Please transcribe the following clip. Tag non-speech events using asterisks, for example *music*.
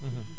*hesitation* *hesitation*